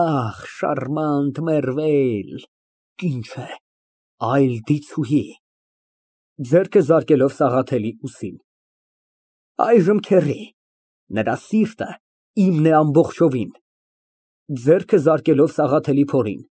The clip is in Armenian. Այ շարմանտ մերվեյլ… Կին չէ, այլ դիցուհի… (Ձեռը զարկելով Սաղաթելի ուսին) Այժմ, քեռի, նրա սիրտն իմն է ամբողջովին։ (Ձեռքը զարկելով Սաղաթելի փորին)։